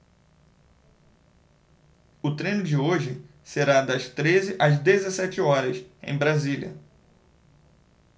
o treino de hoje será das treze às dezessete horas em brasília